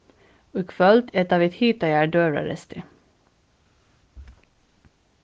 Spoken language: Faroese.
í kvøld eta vit hitaðar døgurðarestir